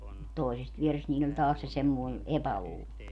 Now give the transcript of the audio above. mutta toisesta vierestä niillä oli taas se semmoinen epäluulo